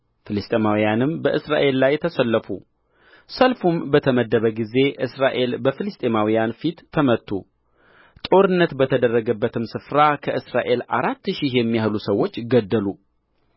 ፍልስጥኤማውያንም በእስራኤል ላይ ተሰለፉ ሰልፉም በተመደበ ጊዜ እስራኤል በፍልስጥኤማውያን ፊት ተመቱ ጦርነት በተደረገበትም ስፍራ ከእስራኤል አራት ሺህ የሚያህሉ ሰዎችን ገደሉ